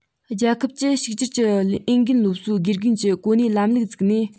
རྒྱལ ཁབ ཀྱིས གཅིག གྱུར གྱི འོས འགན སློབ གསོའི དགེ རྒན གྱི གོ གནས ལམ ལུགས བཙུགས ནས